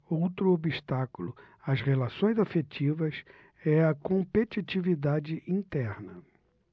outro obstáculo às relações afetivas é a competitividade interna